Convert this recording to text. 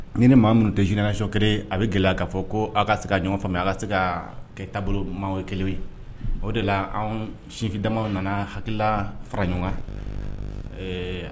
Ni n'i maa minnu tɛ génération kelen a bɛ gɛlɛya k'a fɔ ko a' ka se ka ɲɔgɔn faamuya. A ka se ka kɛ taabolo ɲuma ye kelen ye. O de la anw sifi damanw nana hakilila fara ɲɔgɔn kan ɛɛ